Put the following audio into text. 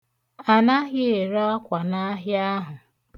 Anaghị ere akwa n'ahịa ahụ.